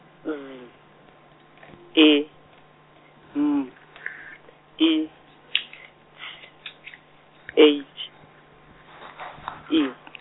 Z, E, M , I, T, H, I.